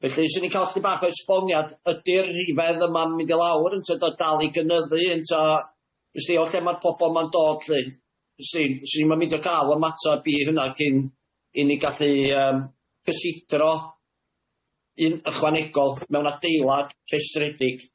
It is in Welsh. Felly 'swn i'n ca'l chydig bach o esboniad ydi'r rhifedd yma'n mynd i lawr ynte di o dal i gynyddu ynta wstdi o lleol lle ma'r pobol 'ma'n dod 'lly? Wstdi, sw ni 'sw ni'm yn mynd i ca'l ymateb i hynna cyn i ni gallu yym cysidro un ychwanegol mewn adeilad rhestredig.